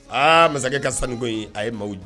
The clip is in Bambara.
Aa masakɛ ka sanu ko ye a ye maaw